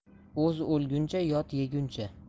o'z o'lguncha yot yeguncha